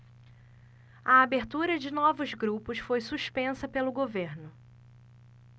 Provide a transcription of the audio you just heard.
a abertura de novos grupos foi suspensa pelo governo